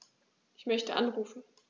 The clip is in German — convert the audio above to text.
Ich möchte anrufen.